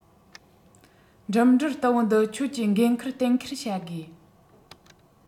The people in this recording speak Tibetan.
འགྲིམ འགྲུལ དུམ བུ འདི ཁྱོད ཀྱི འགན ཁུར གཏན འཁེལ བྱ དགོས